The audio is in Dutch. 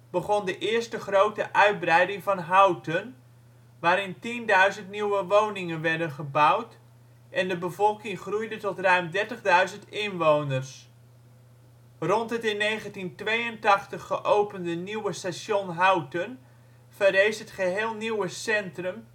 begon de eerste grote uitbreiding van Houten, waarin 10.000 nieuwe woningen werden gebouwd en de bevolking groeide tot ruim 30.000 inwoners (1996). Rond het in 1982 geopende nieuwe station Houten verrees het geheel nieuwe centrum